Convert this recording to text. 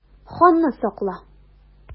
Ханны сакла!